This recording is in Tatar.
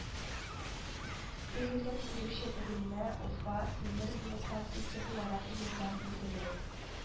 Төзелеп килүче Бөгелмә – Уфа тимер юлы станциясе буларак елдан билгеле